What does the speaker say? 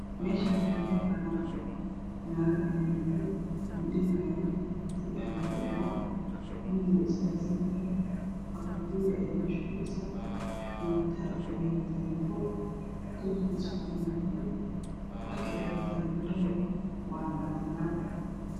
Meeshaani waa meel banaan ah naago ayaa jooga oo dheelaayo sadex way fadhiyaan midna way istaagsantahay aqal hoori ayaa meesha ka dhisan iyo teenbo kalarkiisu cadaan yahay dharka ay wataana gabdhaha waa baatiyaal